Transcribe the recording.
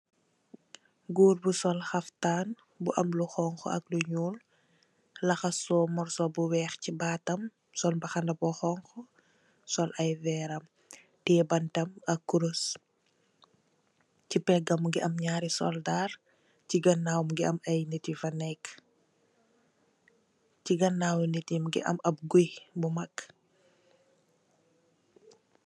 Goor bu sol xaftan bu am lu xonxo ak lu nuul lagasou mursu bu weex se batam sol mbaxna bu xonxo sol aye weram teye bantam ak kurus che pegam muge am nyari soldaar che ganaw muge am aye neet yufa neke che ganaw neete ye muge am ab goye bu mag.